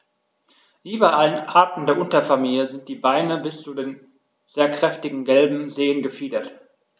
Wie bei allen Arten der Unterfamilie sind die Beine bis zu den sehr kräftigen gelben Zehen befiedert.